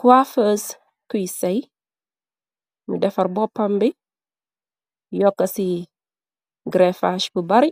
Coa fers kuy sey nu defar boppam bi yokka ci grefaghe bu bari